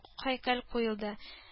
Һәйкәл куелды: